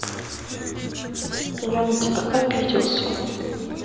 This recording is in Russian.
я на тебя обиделся